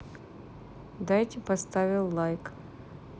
дайте поставил лайк